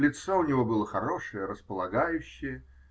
Лицо у него было хорошее, располагающее.